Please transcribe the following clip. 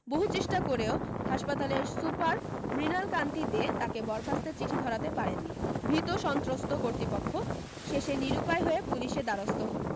বহু চেষ্টা করেও হাসপাতালের সুপার মৃণালকান্তি দে তাঁকে বরখাস্তের চিঠি ধরাতে পারেননি ভীত সন্ত্রস্থ কর্তৃপক্ষ শেষে নিরুপায় হয়ে পুলিশের দ্বারস্থ হন